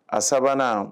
A sabanan